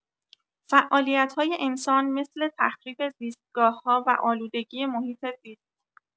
فعالیت‌های انسان مثل تخریب زیستگاه‌ها و آلودگی محیط‌زیست